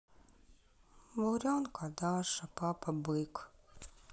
буренка даша папа бык